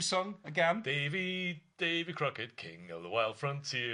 David, David Crockett, King of the Wild Frontier .